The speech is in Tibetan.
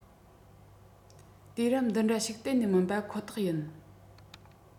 དུས རབས འདི འདྲ ཞིག གཏན ནས མིན པ ཁོ ཐག ཡིན